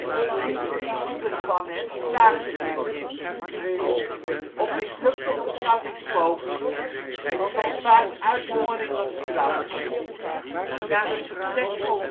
ongeveer driehonderd van hen slaagden hierin. Op mislukte ontsnappingspogingen stond vaak uithongering als straf. Na een succesvolle